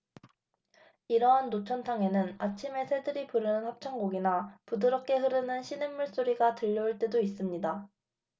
이러한 노천탕에는 아침에 새들이 부르는 합창곡이나 부드럽게 흐르는 시냇물 소리가 들려올 때도 있습니다